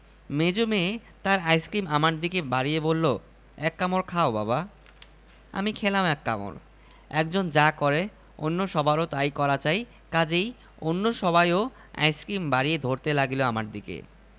এরকম ভয়াবহ পরিস্থিতিকেই বোধ হয় বেকায়দা অবস্থা বলা হয় এটা এমন একটা অবস্থা যাকে কিছুতেই কায়দা করা যায় না অথচ এমন অবস্থায় অমিদের প্রায় রোজই পড়তে হয়